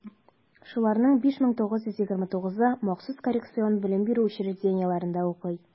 Шуларның 5929-ы махсус коррекцион белем бирү учреждениеләрендә укый.